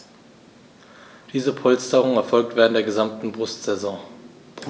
Diese Polsterung erfolgt während der gesamten Brutsaison.